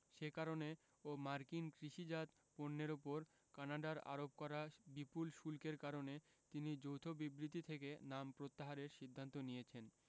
সে কারণে ও মার্কিন কৃষিজাত পণ্যের ওপর কানাডার আরোপ করা বিপুল শুল্কের কারণে তিনি যৌথ বিবৃতি থেকে নাম প্রত্যাহারের সিদ্ধান্ত নিয়েছেন